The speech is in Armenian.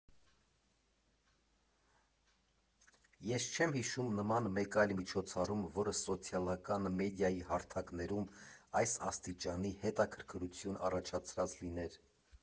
Ես չեմ հիշում նման մեկ այլ միջոցառում, որը սոցիալական մեդիայի հարթակներում այս աստիճանի հետաքրքրություն առաջացրած լիներ,